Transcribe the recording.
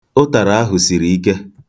Ụtara ahụ siri ike.